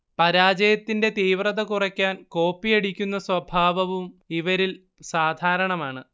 പരാജയത്തിന്റെ തീവ്രത കുറയ്ക്കാൻ കോപ്പിയടിക്കുന്ന സ്വഭാവവും ഇവരിൽ സാധാരണമാണ്